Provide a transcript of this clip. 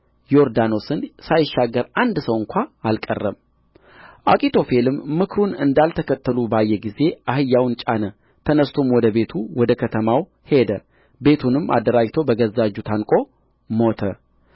ዮርዳኖስን ሳይሻገር አንድ ሰው እንኳ አልቀረም አኪጦፌልም ምክሩን እንዳልተከተሉ ባየ ጊዜ አህያውን ጫነ ተነሥቶም ወደ ቤቱ ወደ ከተማው ሄደ ቤቱንም አደራጅቶ በገዛ እጁ ታንቆ ሞተ